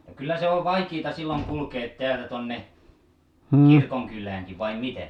kyllä se oli vaikeata silloin kulkea täältä tuonne kirkonkyläänkin vai miten